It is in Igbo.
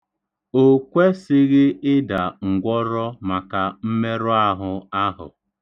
O kwesịghị ịda ngwọrọ maka mmerụahụ ahụ.